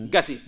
gasii